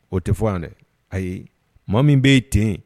O tɛ fɔ yan dɛ ayi mɔgɔ min bɛ ye ten